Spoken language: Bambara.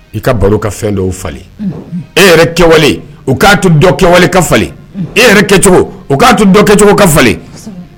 I ka baro ka fɛn dɔw falen , unhun, e yɛrɛ kɛwale o k'a to dɔ kɛwale ka falen, e kɛcogo o k'a to dɔ kɛcogo ka falen.